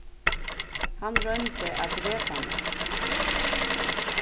hann royndi at drepa meg